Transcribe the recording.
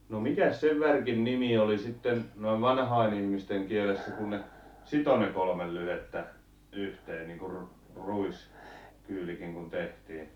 no mikäs sen värkin nimi oli sitten noin vanhain ihmisten kielessä kun ne sitoi ne kolme lyhdettä yhteen niin kuin - ruiskyylikin kun tehtiin